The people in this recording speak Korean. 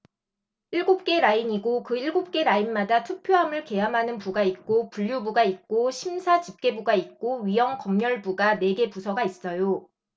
일곱 개 라인이고 그 일곱 개 라인마다 투표함을 개함하는 부가 있고 분류부가 있고 심사집계부가 있고 위원검열부가 네 개 부서가 있어요